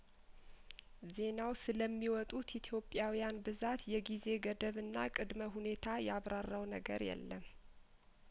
ዜናው ስለሚ ወጡት ኢትዮጵያውያን ብዛት የጊዜ ገደብና ቅድመ ሁኔታ ያብራራው ነገር የለም